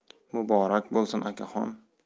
muborak bo'lsin akaxon